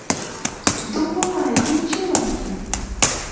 дубай девчонки